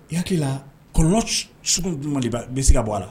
Hakili la kolon sugu tun mali bɛ se ka bɔ a la